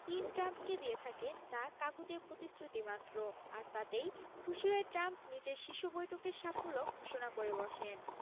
Kim ট্রাম্পকে দিয়ে থাকেন তা কাগুজে প্রতিশ্রুতিমাত্র আর তাতেই খুশি হয়ে ট্রাম্প নিজের শীর্ষ বৈঠকের সাফল্য ঘোষণা করে বসেন